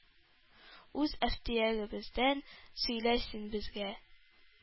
Үз әфтиягебездән сөйлә син безгә,-